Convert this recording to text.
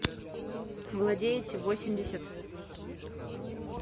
владеете восемьдесят